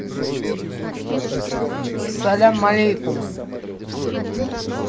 салям малейкум